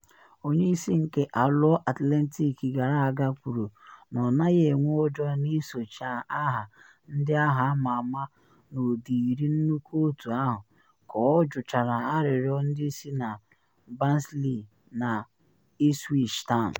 Onye isi nke Alloa Athletic gara aga kwuru na ọ naghị enwe ụjọ n’isochi aha ndị ahụ ama ama n’ụdịrị nnukwu otu ahụ, ka ọ jụchara arịrịọ ndị si na Barnsley na Ipswich Town.